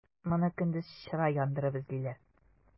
Моны көндез чыра яндырып эзлиләр.